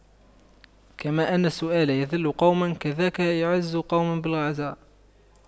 كما أن السؤال يُذِلُّ قوما كذاك يعز قوم بالعطاء